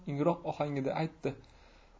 ingroq ohangda aytdi